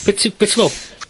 ...be' ti, be' ti me'wl?